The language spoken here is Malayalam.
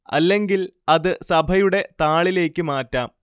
അല്ലെങ്കിൽ അത് സഭയുടെ താളിലേക്ക് മാറ്റാം